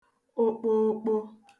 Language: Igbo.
okpookpo